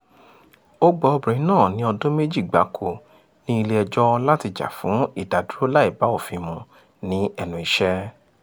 Ó gba obìnrin náà ní ọdún méjì gbáko nílé ẹjọ́ láti jà fún ìdádúró láì bá òfin mu ní ẹnu iṣẹ́.